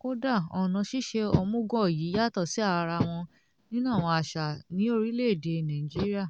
kódà ọ̀nà ṣíṣe omugwo yìí yàtọ̀ sí ará wọn nínú àwọn àṣà ní orílẹ̀ èdè Nàìjíríà.